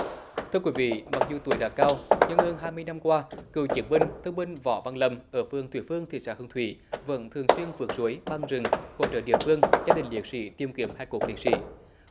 thưa quý vị mặc dù tuổi đã cao nhưng hơn hai mươi năm qua cựu chiến binh thương binh võ văn lâm ở phường thủy phương thị xã hương thủy vẫn thường xuyên vượt suối băng rừng hỗ trợ địa phương gia đình liệt sỹ tìm kiếm hài cốt liệt sỹ